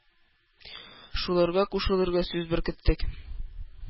Шуларга кушылырга сүз беркеттек,